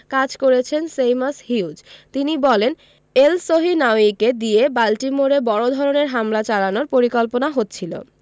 কাজ করেছেন Seamus Hughes তিনি বলেন এলসহিনাউয়িকে দিয়ে বাল্টিমোরে বড় ধরনের হামলা চালানোর পরিকল্পনা হচ্ছিল